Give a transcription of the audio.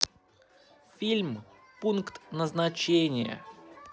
фильм пункт назначения